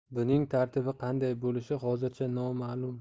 buning tartibi qanday bo'lishi hozircha noma'lum